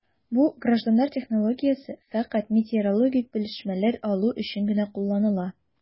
Бу гражданнар технологиясе фәкать метеорологик белешмәләр алу өчен генә кулланыла...